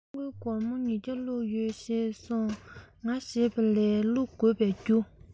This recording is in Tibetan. དངུལ སྒོར མོ ཉི བརྒྱ བླུག ཡོད ཞེས ང ཞེས པ ལས བླུག དགོས པའི རྒྱུ